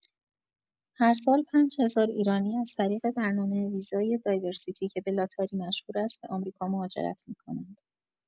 هرسال ۵۰۰۰ ایرانی از طریق برنامه ویزای دایورسیتی که به لاتاری مشهور است به آمریکا مهاجرت می‌کنند.